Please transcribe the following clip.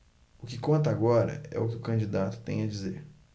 o que conta agora é o que o candidato tem a dizer